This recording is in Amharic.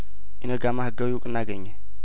ኢነጋማ ህጋዊ እውቅና አገኘ